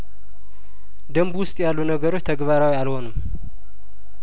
ደንቡ ውስጥ ያሉ ነገሮች ተግባራዊ አልሆኑም